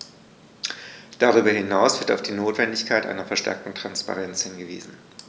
Darüber hinaus wird auf die Notwendigkeit einer verstärkten Transparenz hingewiesen.